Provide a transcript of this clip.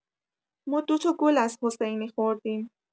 ما دوتا گل از حسینی خوردیم